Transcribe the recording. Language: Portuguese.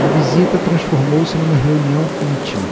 a visita transformou se numa reunião íntima